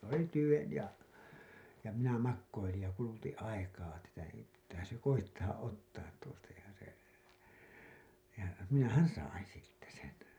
se oli tyven ja ja minä makoilin ja kulutin aikaa tätä ei pitäähän se koettaa ottaa tuosta ja se ja minähän sain siitä sen